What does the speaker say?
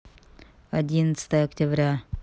одиннадцатое октября